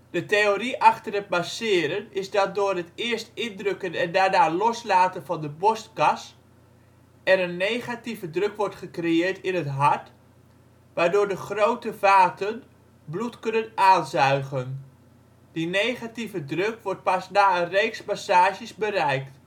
De theorie achter het masseren is dat door het eerst indrukken en daarna loslaten van de borstkas er een negatieve druk wordt gecreëerd in het hart, waardoor de grote vaten bloed kunnen aanzuigen. Die negatieve druk wordt pas na een reeks massages bereikt